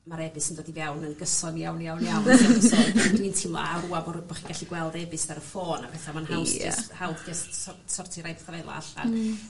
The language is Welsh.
ma'r e-byst yn dod i fewn yn gyson iawn iawn iawn so so dwi'n teimlo a rŵan bo' r- bo' chi gallu e-byst ar y ffôn a petha ma'n haws... Ie. ...jys hawdd jyst sor- sortio rai petha fel 'a alla... Hmm. ...